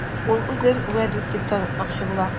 Ул үзен Вәдүт дип танытмакчы була.